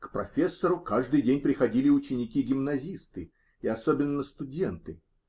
К"профессору" каждый день приходили ученики-гимназисты и особенно студенты.